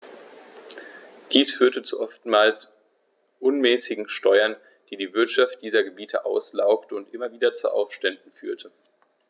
Dies führte zu oftmals unmäßigen Steuern, die die Wirtschaft dieser Gebiete auslaugte und immer wieder zu Aufständen führte.